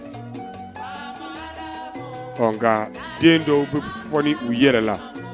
Den dɔw bɛ fɔ u yɛrɛ la